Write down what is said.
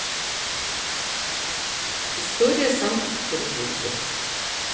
история санкт петербурга